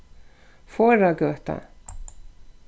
foragøta